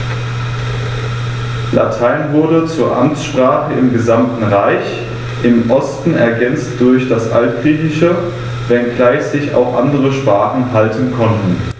Latein wurde zur Amtssprache im gesamten Reich (im Osten ergänzt durch das Altgriechische), wenngleich sich auch andere Sprachen halten konnten.